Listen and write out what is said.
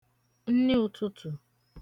nni ụ̄tụ̄tụ̄